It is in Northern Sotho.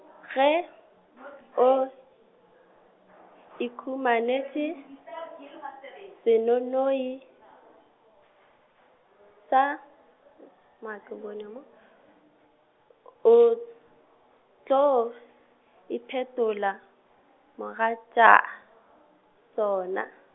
ge , o, ikhumanetše, senoinoi, sa, mo a ke bone mo, o, tlo, iphetola, mogatša, sona.